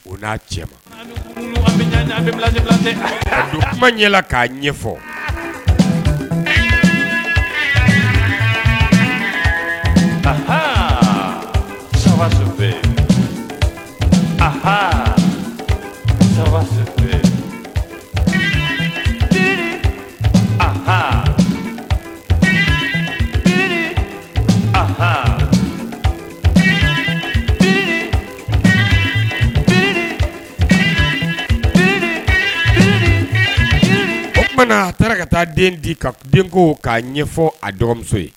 O'a cɛ kuma ɲɛ k'a ɲɛfɔ a taara ka taa den di ka den k'a ɲɛfɔ a dɔgɔmuso ye